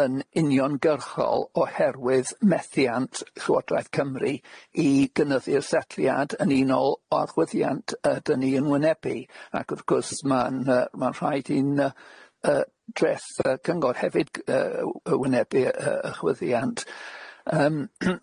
yn uniongyrchol oherwydd methiant Llywodraeth Cymru i gynyddu'r setliad yn unol o achwyddiant y- dani'n wynebu ac wrth gwrs ma'n y- ma'n rhaid i'n y- y- dreth y Cyngor hefyd y- wynebu y- achwyddiant yym